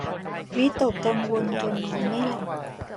วิตกกังวลจนนอนไม่หลับ